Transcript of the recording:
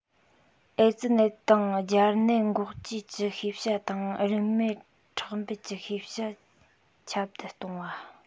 ཨེ ཙི ནད དང སྦྱར ནད འགོག བཅོས ཀྱི ཤེས བྱ དང རིན མེད ཁྲག འབུལ གྱི ཤེས བྱ ཁྱབ གདལ གཏོང བ